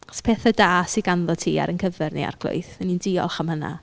Achos pethe da sydd ganddo ti ar ein cyfer ni Arglwydd, y' ni'n diolch am hynna.